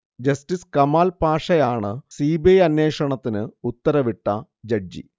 justice Kamal പാഷയാണ് CBI അന്വേഷണത്തിന് ഉത്തരവിട്ട ജഡ്ജി